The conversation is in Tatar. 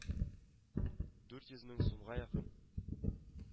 Дүрт йөз мең сумга якын